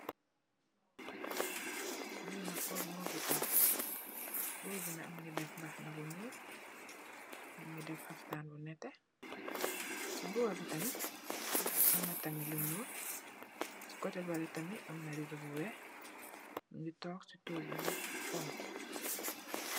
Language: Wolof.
Benah gorre mor fii tohf, gorre bii nak mungy deff mbahanah bu njull, mungy deff khaftan bu nehteh, cii gorre bii tamit, amna tamit lu njull, chi coteh behleh tamit amna ridoh bu wekh, mungy tok cii tohgu bu honhu.